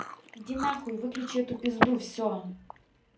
иди нахуй выключи эту пизду все